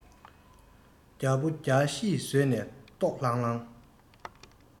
རྒྱལ པོ རྒྱལ གཞིས ཟོས ནས ལྟོགས ལྷང ལྷང